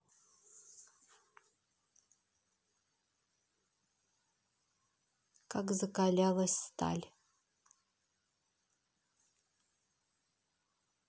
как закалялась сталь